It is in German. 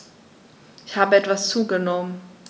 Ich habe etwas zugenommen